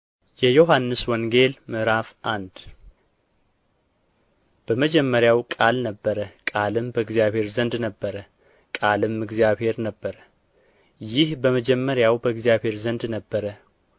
የዮሐንስ ወንጌል ምዕራፍ አንድ በመጀመሪያው ቃል ነበረ ቃልም በእግዚአብሔር ዘንድ ነበረ ቃልም እግዚአብሔር ነበረ ይህ በመጀመሪያው በእግዚአብሔር ዘንድ ነበረ